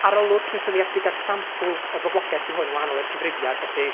Arolwg sy'n seliedig a'r sampl o'r boblogaeth 'di hwn yn wahanol i'r cyfrifiad, felly...